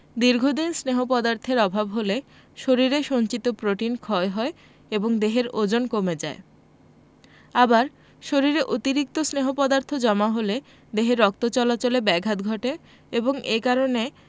দীর্ঘদিন স্নেহ পদার্থের অভাব হলে শরীরের সঞ্চিত প্রোটিন ক্ষয় হয় এবং দেহের ওজন কমে যায় আবার শরীরে অতিরিক্ত স্নেহ পদার্থ জমা হলে দেহে রক্ত চলাচলে ব্যাঘাত ঘটে এবং এ কারণে